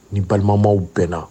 Ni balimamaw bɛn na